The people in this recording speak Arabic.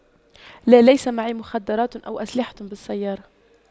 لا ليس معي مخدرات أو أسلحة بالسيارة